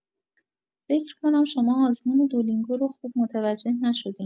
فکر کنم شما آزمون دولینگو رو خوب متوجه نشدین!